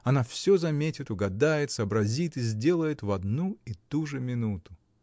Она всё заметит, угадает, сообразит и сделает — в одну и ту же минуту.